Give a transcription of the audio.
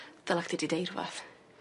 Dylach chdi 'di deud rwbath.